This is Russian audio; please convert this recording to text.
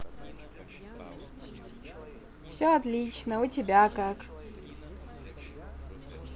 все отлично у тебя как